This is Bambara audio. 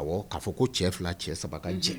Awɔ, k'a fɔ ko cɛ 2 cɛ 3 ka cɛ.